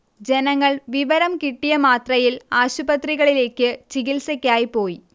ജനങ്ങൾ വിവരം കിട്ടിയമാത്രയിൽ ആശുപത്രികളിലേക്ക് ചികിത്സക്കായി പോയി